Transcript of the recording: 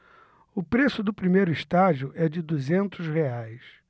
o preço do primeiro estágio é de duzentos reais